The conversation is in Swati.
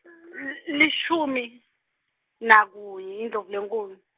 l- lishumi, nakunye iNdlovulenkhulu.